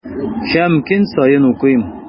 Һәм көн саен укыйм.